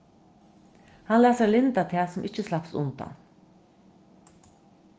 hann læt sær lynda tað sum ikki slapst undan